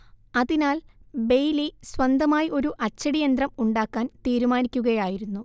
അതിനാൽ ബെയ്‌ലി സ്വന്തമായി ഒരു അച്ചടിയന്ത്രം ഉണ്ടാക്കാൻ തീരുമാനിക്കുകയായിരുന്നു